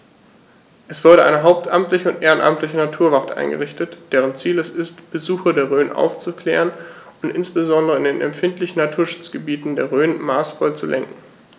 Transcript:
Es wurde eine hauptamtliche und ehrenamtliche Naturwacht eingerichtet, deren Ziel es ist, Besucher der Rhön aufzuklären und insbesondere in den empfindlichen Naturschutzgebieten der Rhön maßvoll zu lenken.